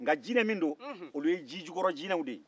nka jinɛ min dɔ olu ye ji jukɔrɔ jinɛw de ye